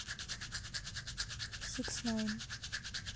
сикс найн